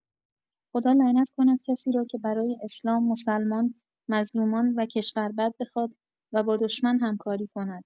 خدا لعنت کند کسی را که برای اسلام، مسلمان، مظلومان و کشور بد بخواد، و با دشمن همکاری کند.